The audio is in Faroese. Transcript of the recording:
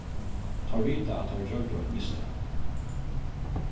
teir vita at teir gjørdu eitt mistak